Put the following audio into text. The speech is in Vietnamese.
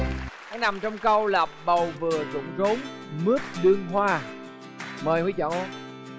nó nằm trong câu là bầu vừa rụng rốn mướp đương hoa mời huy chọn ô